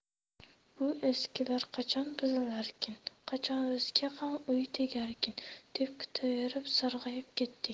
bu eskilar qachon buzilarkin qachon bizga ham uy tegarkin deb kutaverib sarg'ayib ketdik